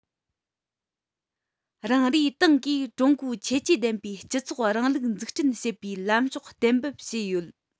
རང རེའི ཏང གིས ཀྲུང གོའི ཁྱད ཆོས ལྡན པའི སྤྱི ཚོགས རིང ལུགས འཛུགས སྐྲུན བྱེད པའི ལམ ཕྱོགས གཏན འབེབས བྱས ཡོད